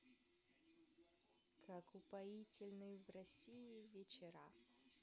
как упоительны в россии вечера